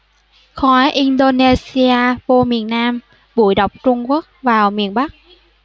khói indonesia vô miền nam bụi độc trung quốc vào miền bắc